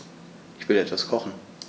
Ich will etwas kochen.